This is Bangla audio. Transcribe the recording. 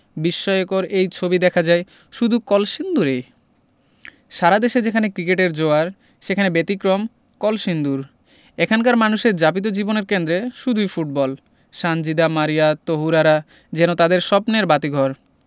বিস্ময়কর এই ছবি দেখা যায় শুধু কলসিন্দুরে সারা দেশে যেখানে ক্রিকেটের জোয়ার সেখানে ব্যতিক্রম কলসিন্দুর এখানকার মানুষের যাপিত জীবনের কেন্দ্রে শুধুই ফুটবল সানজিদা মারিয়া তহুরারা যেন তাদের স্বপ্নের বাতিঘর